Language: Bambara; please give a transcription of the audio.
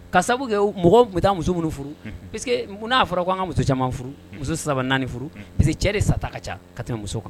Ka sabu kɛ mɔgɔw kun bi taa muso munnu furu parceque mun na a fɔra kan ka muso caman furu muso saba naani furu parce que cɛ de sata ka ca ka tɛmɛ muso kan.